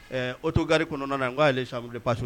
Ɛɛ o to gariri kɔnɔna na n'ale sa pa so